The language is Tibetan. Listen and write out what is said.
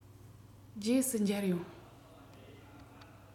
རྗེས སུ མཇལ ཡོང